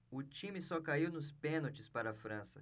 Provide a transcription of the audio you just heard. o time só caiu nos pênaltis para a frança